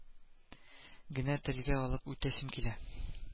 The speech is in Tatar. Генә телгә алып үтәсем килә